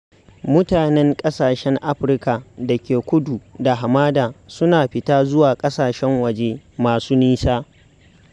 Mutanen ƙasashen Afirka da ke kudu da hamada su na fita zuwa ƙasashen waje masu nisa.